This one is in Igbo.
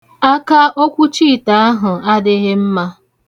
Aka okwuchi ite ahụ adịghị mma.